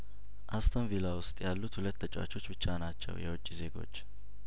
አስቶን ቪላ ውስጥ ያሉት ሁለት ተጫዋቾች ብቻ ናቸው የውጪ ዜጐች